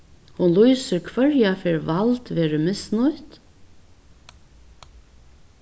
hon lýsir hvørja ferð vald verður misnýtt